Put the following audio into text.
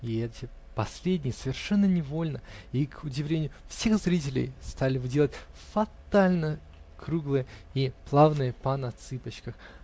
и эти последние, совершенно невольно и к удивлению всех зрителей, стали выделывать фатальные круглые и плавные па на цыпочках.